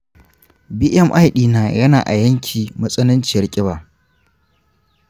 bmi ɗina yana a yanki matsananciyar ƙiba.